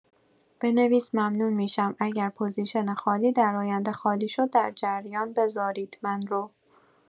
بنویس ممنون می‌شم اگر پوزیشن خالی در آینده خالی شد، در جریان بزارید من رو.